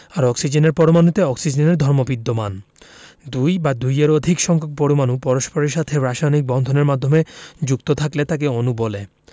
আর অক্সিজেনের পরমাণুতে অক্সিজেনের ধর্ম বিদ্যমান দুই বা দুইয়ের অধিক সংখ্যক পরমাণু পরস্পরের সাথে রাসায়নিক বন্ধন এর মাধ্যমে যুক্ত থাকলে তাকে অণু বলে